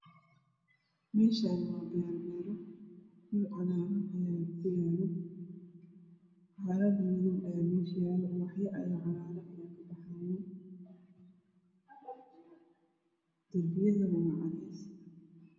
Meeshaan waa beero dhul cagaaran ayaa kuyaala waxaro madow ayaa meesha joogo ubaxyo cagaaran ayaa kabaxaayo darbiga waa cadeys.